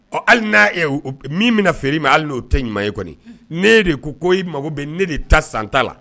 Ɔ hali n' min bɛna na feere ma hali n'o tɛ ɲuman ye kɔni ne de ko ko i mako bɛ ne de ta santa la